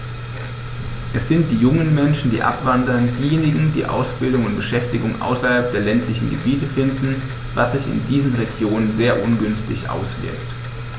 Es sind die jungen Menschen, die abwandern, diejenigen, die Ausbildung und Beschäftigung außerhalb der ländlichen Gebiete finden, was sich in diesen Regionen sehr ungünstig auswirkt.